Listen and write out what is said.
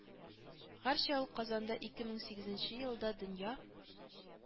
Гәрчә ул Казанда ике мең сигезенче елда дөнья